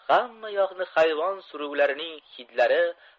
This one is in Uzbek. hammayoqni hayvon suruklarining hidlari